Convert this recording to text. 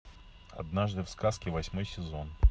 однажды в сказке восьмой сезон